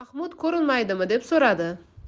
mahmud ko'rinmaydimi deb so'radi